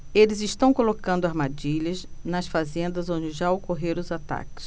eles estão colocando armadilhas nas fazendas onde já ocorreram os ataques